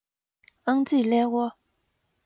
ཨང རྩིས ཀླད ཀོར